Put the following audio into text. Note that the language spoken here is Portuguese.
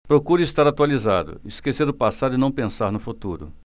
procuro estar atualizado esquecer o passado e não pensar no futuro